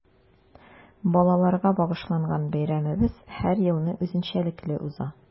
Балаларга багышланган бәйрәмебез һәр елны үзенчәлекле уза.